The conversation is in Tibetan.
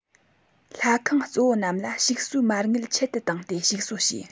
ལྷ ཁང གཙོ བོ རྣམས ལ ཞིག གསོའི མ དངུལ ཆེད དུ བཏང སྟེ ཞིག གསོ བྱས